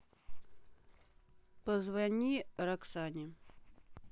позвони роксане